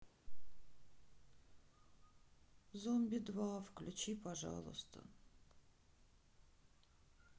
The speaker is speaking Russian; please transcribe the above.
зомби два включи пожалуйста